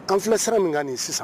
Anfi sira min kan nin sisan